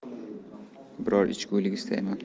biror ichgilik istayman